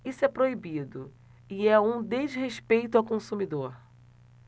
isso é proibido e é um desrespeito ao consumidor